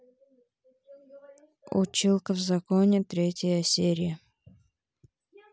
училки в законе третья серия